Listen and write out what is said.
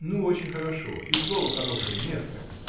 — Ну, очень хорошо, и слово хорошее, меткое.